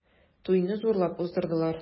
Туйны зурлап уздырдылар.